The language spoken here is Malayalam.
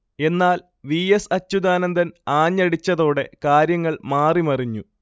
എന്നാൽ വി. എസ്. അച്ചുതാനന്ദൻ ആഞ്ഞടിച്ചതോടെ കാര്യങ്ങൾ മാറി മറിഞ്ഞു